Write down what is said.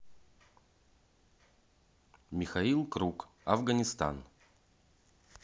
михаил круг афганистан